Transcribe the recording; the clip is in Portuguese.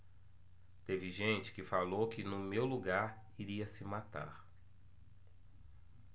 teve gente que falou que no meu lugar iria se matar